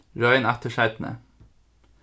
royn aftur seinni